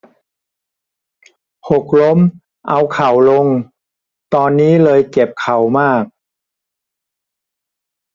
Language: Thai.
หกล้มเอาเข่าลงตอนนี้เลยเจ็บเข่ามาก